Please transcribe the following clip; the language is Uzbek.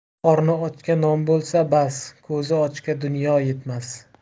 qorni ochga non bo'lsa bas ko'zi ochga dunyo yetmas